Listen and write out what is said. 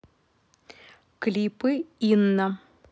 клипы инна